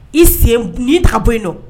I sen n'i ta bɔ yen don